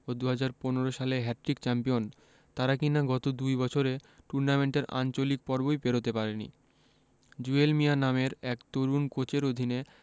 ও ২০১৫ সালে hat trick champion তারা কিনা গত দুই বছরে টুর্নামেন্টের আঞ্চলিক পর্বই পেরোতে পারেনি জুয়েল মিয়া নামের এক তরুণ কোচের অধীনে